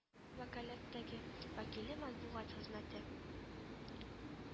Вәкаләттәге вәкиле матбугат хезмәте